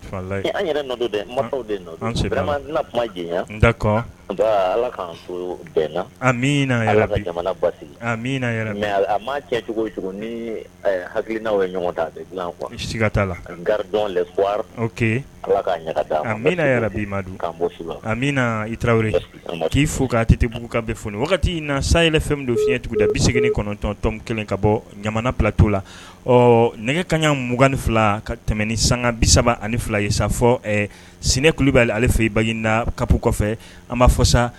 Da a na i tarawele k'i fo' tɛ teugu f wagati in na sanyɛlɛ fɛn don fiɲɛɲɛ tuguda bɛse kɔnɔntɔntɔn kelen ka bɔ ɲa pa tu la ɔ nɛgɛ kaɲa muganani fila tɛmɛ ni sanga bisaba ani fila ye sa fɔ skululi kulubali ale fɛ i bayiina ka kɔfɛ an ma fɔ sa